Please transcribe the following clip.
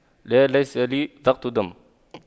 لا ليس لي ضغط دم